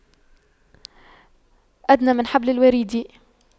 أدنى من حبل الوريد